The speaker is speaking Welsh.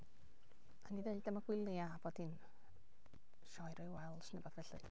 A wnawn ni ddeud am y gwylia a bod hi'n sioe Royal Welsh neu rywbeth felly.